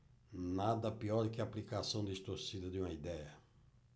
nada pior que a aplicação distorcida de uma idéia